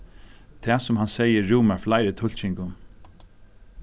tað sum hann segði rúmar fleiri tulkingum